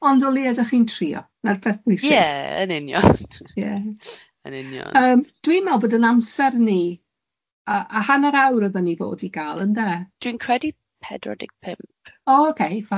Ond o leie ydach chi'n trio? Na'r peth pwysig. Ie, yn union. Ie, yn union. Ymm dwi'n meddwl bod yn amser ni, a hanner awr oeddan ni fod i gael ynde? Dwi'n credu pedwar deg pump. O ok fine.